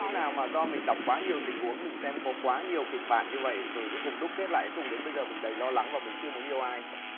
có khi nào mà do mình đọc quá nhiều tình huống mình xem có quá nhiều kịch bản như vậy rồi cuối cùng đúc kết lại cuối cùng đến bây giờ mình đầy lo lắng và mình chưa muốn yêu ai